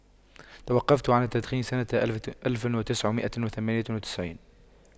توقفت عن التدخين سنة ألف وتسعمئة وثمانية وتسعين